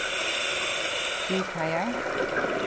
djúpheiðar